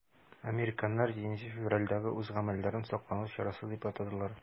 Американнар 7 февральдәге үз гамәлләрен саклану чарасы дип атадылар.